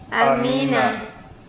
amiina